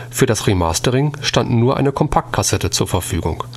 für das Remastering stand nur eine Compact Cassette zur Verfügung